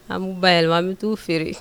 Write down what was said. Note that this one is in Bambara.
Anmu ba yɛlɛma bɛ t'u feere